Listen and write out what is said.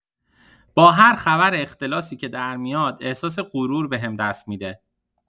با هر خبر اختلاسی که در میاد احساس غرور بهم دست می‌ده.